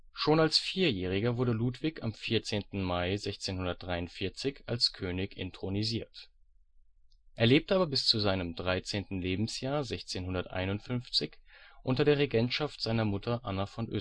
Schon als Vierjähriger wurde Ludwig am 14. Mai 1643 als König inthronisiert. Er lebte aber bis zu seinem dreizehnten Lebensjahr 1651 unter der Regentschaft seiner Mutter Anna von